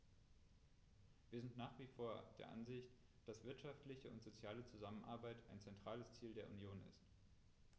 Wir sind nach wie vor der Ansicht, dass der wirtschaftliche und soziale Zusammenhalt ein zentrales Ziel der Union ist.